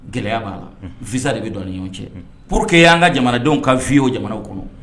Gɛlɛya b'a la visa de bɛ dɔɔnin ɲɔgɔn cɛ pour que y'an ka jamanadenw kan vi oo jamanaw kɔnɔ